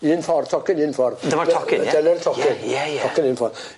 Un ffordd tocyn un ffordd. Dyma'r tocyn ie? Dyna'r tocyn. Ie ie ie. Tocyn un ffordd .